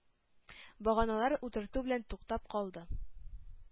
Баганалар утырту белән туктап калды.